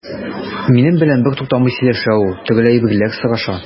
Минем белән бертуктамый сөйләшә ул, төрле әйберләр сораша.